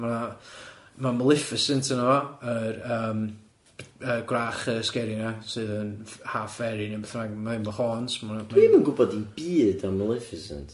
Ma' 'na ma' Maleficent yno fo yr yym yy gwrach yy scary yna sydd yn ff- half fairy neu beth bynnag, ma' 'fo haunts ma' hwnna... Dw i'm yn gwbod dim byd am Maleficent.